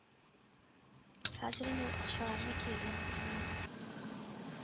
Хәзер инде ул акчаларны кире